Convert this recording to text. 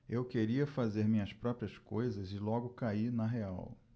eu queria fazer minhas próprias coisas e logo caí na real